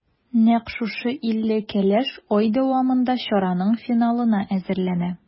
Нәкъ шушы илле кәләш ай дәвамында чараның финалына әзерләнә.